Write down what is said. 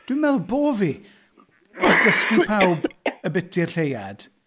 Dwi'n meddwl bo' fi yn dysgu pawb ambyti'r Lleuad.